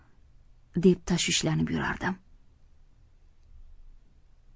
deb tashvishlanib yurardim